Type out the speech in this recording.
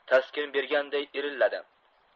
taskin berganday irilladi